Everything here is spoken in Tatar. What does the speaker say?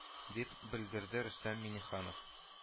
- дип белдерде рөстәм миңнеханов